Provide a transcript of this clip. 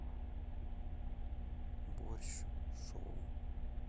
борщ шоу